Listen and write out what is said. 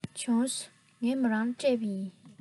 བྱུང སོང ངས མོ རང ལ སྤྲད པ ཡིན